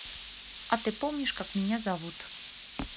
а ты помнишь как меня зовут